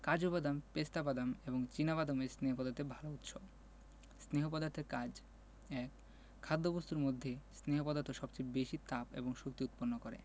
কাজু বাদাম পেস্তা বাদাম এবং চিনা বাদামও স্নেহ পদার্থের ভালো উৎস স্নেহ পদার্থের কাজ ১. খাদ্যবস্তুর মধ্যে স্নেহ পদার্থ সবচেয়ে বেশী তাপ এবং শক্তি উৎপন্ন করে